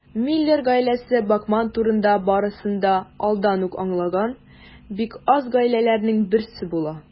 Миллер гаиләсе Бакман турында барысын да алдан ук аңлаган бик аз гаиләләрнең берсе була.